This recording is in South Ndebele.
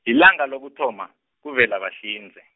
lilanga lokuthoma, kuVelabahlinze.